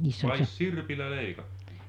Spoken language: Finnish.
vai sirpillä leikattiin